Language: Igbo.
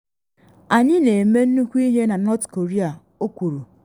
“Anyị na eme nnukwu ihe na North Korea,” o kwuru.